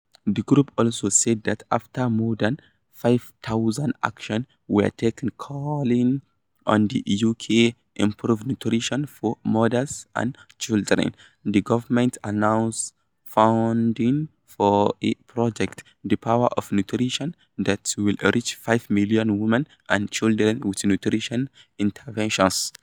The group also said that after more than 5,000 actions were taken calling on the U.K. improve nutrition for mothers and children, the government announced funding for a project, the Power of Nutrition, that will reach 5 million women and children with nutrition interventions.